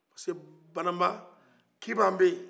sabu banamba kiban bɛ yen